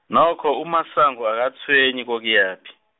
nokho uMasango akatshwenyi kokuyaphi.